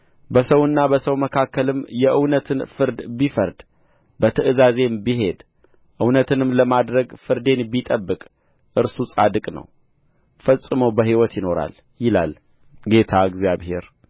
በሰውና በሰው መካከልም የእውነትን ፍርድ ቢፈርድ በትእዛዜም ቢሄድ እውነትንም ለማድረግ ፍርዴን ቢጠብቅ እርሱ ጻድቅ ነው ፈጽሞ በሕይወት ይኖራል ይላል ጌታ እግዚአብሔር